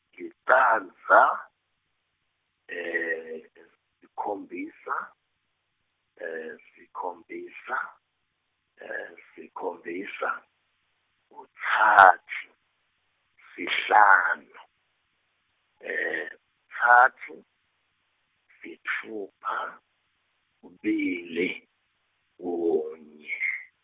licandza, sikhombisa, sikhombisa, sikhombisa, kutsatfu, sihlanu, kutsatfu, sitfupha, kubili, kunye.